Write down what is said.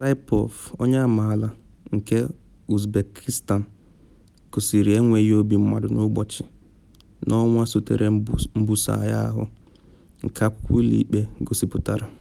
Saipov, onye amaala nke Uzbekistan, gosiri enweghị obi mmadụ n’ụbọchị na ọnwa sotere mbuso agha ahụ, nke akwụkwọ ụlọ ikpe gosipụtara.